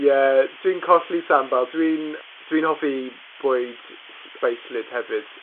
Ie, dwi'n colli sambal. Dwi'n dwi'n hoffi bwyd sbeislyd hefyd.